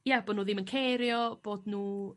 ia bo nw ddim cario bo nw...